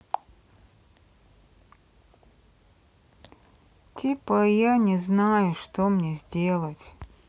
типа я не знаю что мне сделать